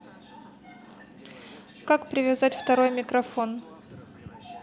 как привязать второй микрофон